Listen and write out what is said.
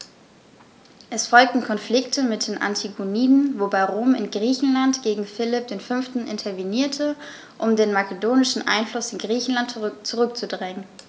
Es folgten Konflikte mit den Antigoniden, wobei Rom in Griechenland gegen Philipp V. intervenierte, um den makedonischen Einfluss in Griechenland zurückzudrängen.